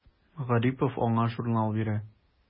Гарипов аңа журнал бирә.